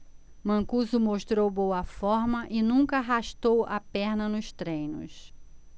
mancuso mostrou boa forma e nunca arrastou a perna nos treinos